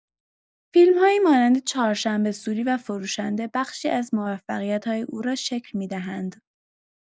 فیلم‌هایی مانند چهارشنبه‌سوری و فروشنده بخشی از موفقیت‌های او را شکل می‌دهند.